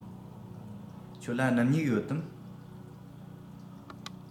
ཁྱོད ལ སྣུམ སྨྱུག ཡོད དམ